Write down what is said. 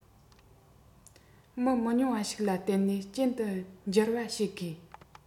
མི མི ཉུང བ ཞིག ལ བརྟེན ནས ཅན དུ འགྱུར བ བྱེད དགོས